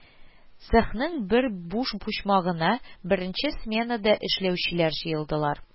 Цехның бер буш почмагына беренче сменада эшләүчеләр җыелдылар